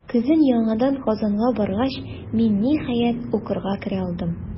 Көзен яңадан Казанга баргач, мин, ниһаять, укырга керә алдым.